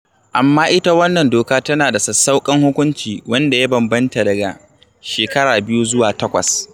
Amma ita wannan doka tana da sassauƙan hukunci, wanda ya bambanta daga shekaru biyu zuwa takwas.